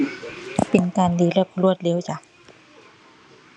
เป็นการดีแล้วรวดเร็วจ้ะ